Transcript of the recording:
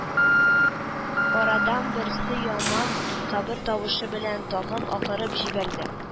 Арадан берсе яман кабер тавышы белән тагын акырып җибәрде